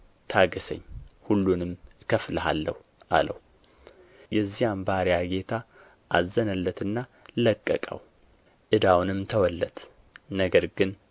ታገሠኝ ሁሉንም እከፍልሃለሁ አለው የዚያም ባሪያ ጌታ አዘነለትና ለቀቀው ዕዳውንም ተወለት ነገር ግን